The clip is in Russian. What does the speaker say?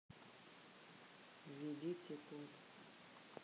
введите код